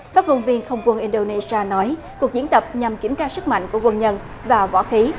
phát ngôn viên không quân in đô nê si a nói cuộc diễn tập nhằm kiểm tra sức mạnh của quân nhân và võ khí